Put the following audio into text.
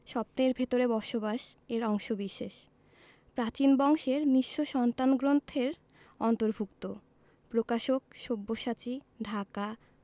স্বপ্নের ভেতরে বসবাস এর অংশবিশেষ প্রাচীন বংশের নিঃস্ব সন্তান গ্রন্থের অন্তর্ভুক্ত প্রকাশক সব্যসাচী ঢাকা